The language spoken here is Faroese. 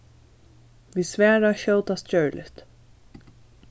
vit svara skjótast gjørligt